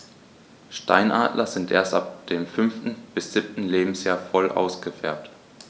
Steinadler sind erst ab dem 5. bis 7. Lebensjahr voll ausgefärbt.